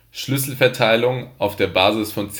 Schlüsselverteilung auf der Basis von